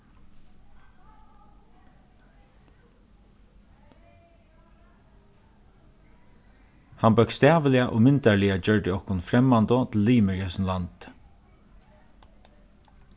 hann bókstaviliga og myndarliga gjørdi okkum fremmandu til limir í hesum landi